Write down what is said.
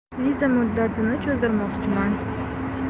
viza muddatini cho'zdirmoqchiman